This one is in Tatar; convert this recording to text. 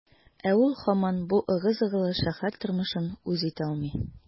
Ә ул һаман бу ыгы-зыгылы шәһәр тормышын үз итә алмый.